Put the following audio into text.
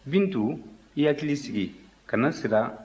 bintu i hakili sigi kana siran